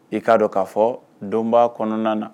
I k'a dɔn k'a fɔ donbaa kɔnɔna na